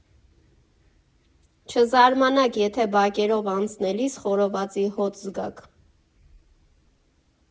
Չզարմանաք, եթե բակերով անցնելիս խորովածի հոտ զգաք։